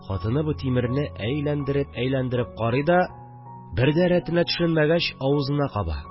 Хатыны бу тимерне әйләндереп-әйләндереп карый да, бер дә рәтенә төшенмәгәч, авызына каба